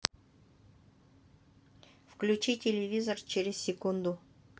выключи телевизор через секунду